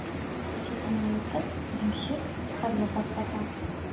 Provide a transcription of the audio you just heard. Сөтен аертып, эремчек, сыр ясап сата.